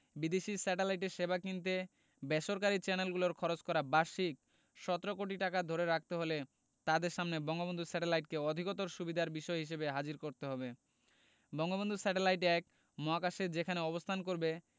বিদেশি স্যাটেলাইটের সেবা কিনতে বেসরকারি চ্যানেলগুলোর খরচ করা বার্ষিক ১৭ কোটি টাকা ধরে রাখতে হলে তাদের সামনে বঙ্গবন্ধু স্যাটেলাইটকে অধিকতর সুবিধার বিষয় হিসেবে হাজির করতে হবে বঙ্গবন্ধু স্যাটেলাইট ১ মহাকাশের যেখানে অবস্থান করবে